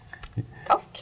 takk.